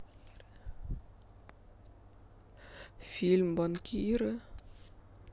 фильм банкиры